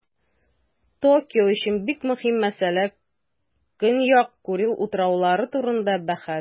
Токио өчен бик мөһим мәсьәлә - Көньяк Курил утраулары турындагы бәхәс.